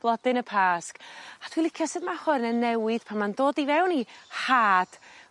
Blodyn y Pasg a dwi licio sut ma' hwn yn newid pan ma'n dod i fewn i had